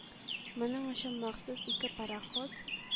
Моның өчен махсус ике пароход